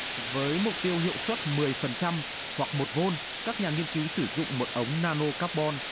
với mục tiêu hiệu suất mười phần trăm hoặc một vôn các nhà nghiên cứu sử dụng một ống na nô các bon